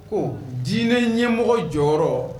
Ko diinɛ ɲɛmɔgɔ jɔyɔrɔ